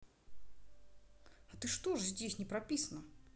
а ты что же здесь не прописано